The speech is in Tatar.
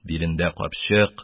Билендә капчык,